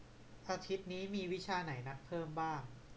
อาทิตย์นี้มีวิชาไหนนัดเพิ่มบ้าง